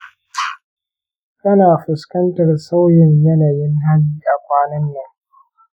kana fuskantar sauyin yanayin hali a kwanan nan?